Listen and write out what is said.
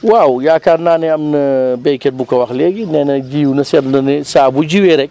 waaw yaakaar naa ne am na béykat bu ko wax léegi nee na jiw na seetlu na ne saa bu jiwee rek